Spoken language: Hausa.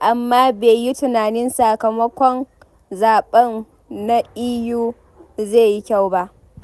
amma bai yi tunanin sakamakon zaɓen na EU zai yi kyau ba.